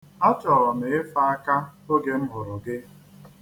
Achọrọ m ife aka oge m hụrụ gị.